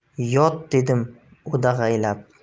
yot dedim o'dag'aylab